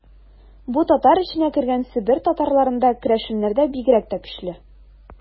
Бу татар эченә кергән Себер татарларында, керәшеннәрдә бигрәк тә көчле.